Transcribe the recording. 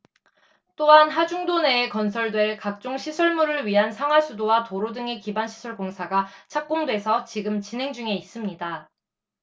또한 하중도 내에 건설될 각종 시설물을 위한 상하수도와 도로 등의 기반시설 공사가 착공돼서 지금 진행 중에 있습니다